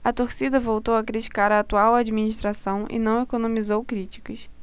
a torcida voltou a criticar a atual administração e não economizou críticas